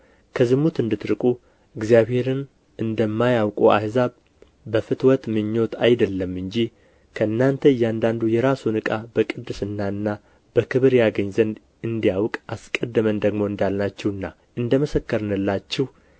ከዝሙት እንድትርቁ እግዚአብሔርን እንደማያውቁ አሕዛብ በፍትወት ምኞት አይደለም እንጂ ከእናንተ እያንዳንዱ የራሱን ዕቃ በቅድስናና በክብር ያገኝ ዘንድ እንዲያውቅ አስቀድመን ደግሞ እንዳልናችሁና እንደ መሰከርንላችሁ